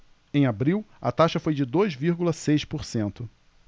em abril a taxa foi de dois vírgula seis por cento